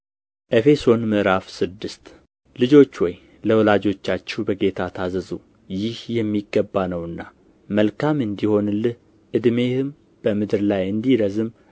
ኤፌሶን ምዕራፍ ስድስት ልጆች ሆይ ለወላጆቻችሁ በጌታ ታዘዙ ይህ የሚገባ ነውና መልካም እንዲሆንልህ ዕድሜህም በምድር ላይ እንዲረዝም